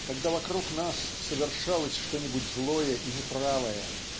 когда вокруг нас совершалось что-нибудь злое и неправое